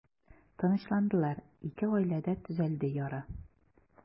Тынычландылар, ике гаиләдә төзәлде яра.